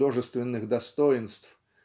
художественных достоинств